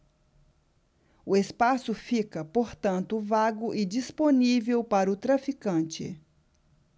o espaço fica portanto vago e disponível para o traficante